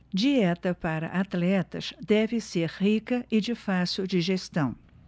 dieta para atletas deve ser rica e de fácil digestão